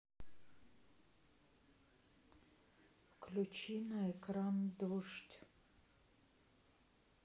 включи на экран дождь